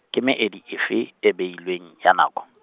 ke meedi efe, e beilweng ya nako ?